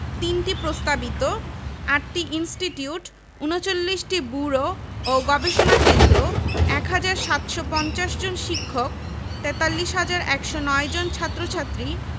বাঘ বা Bengal tiger বা রয়েল বেঙ্গল টাইগার